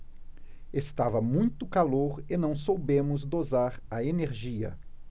estava muito calor e não soubemos dosar a energia